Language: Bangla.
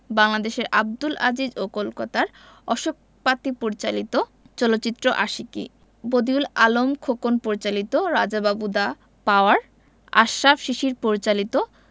বাংলাদেশের আবদুল আজিজ ও কলকাতার অশোক পাতি পরিচালিত চলচ্চিত্র আশিকী বদিউল আলম খোকন পরিচালিত রাজা বাবু দ্যা পাওয়ার আশরাফ শিশির পরিচালিত